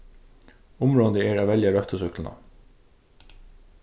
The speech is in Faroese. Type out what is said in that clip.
umráðandi er at velja røttu súkkluna